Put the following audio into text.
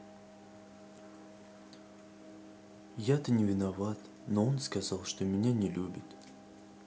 я то не виноват но он сказал что меня не любит